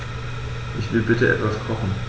Ich will bitte etwas kochen.